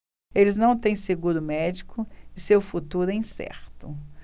eles não têm seguro médico e seu futuro é incerto